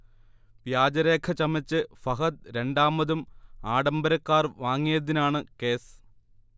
വ്യാജരേഖ ചമച്ച് ഫഹദ് രണ്ടാമതും ആഡംബര കാർ വാങ്ങിയതിനാണ് കേസ്